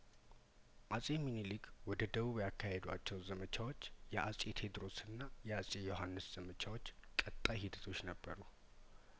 አጼምኒልክ ወደ ደቡብ ያካሄዱዎቻቸው ዘመቻዎች የአጼ ቴዎድሮስና የአጼ ዮሀንስ ዘመቻዎች ቀጣይ ሂደቶች ነበሩ